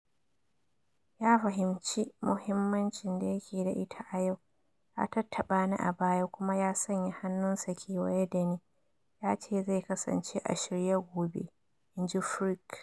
"Ya fahimci muhimmancin da yake da ita a yau, ya tattaɓani a baya kuma ya sanya hannunsa kewaye da ni, ya ce zai kasance a shirye gobe," inji Furyk.